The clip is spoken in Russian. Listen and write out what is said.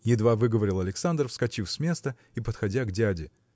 – едва выговорил Александр, вскочив с места и подходя к дяде.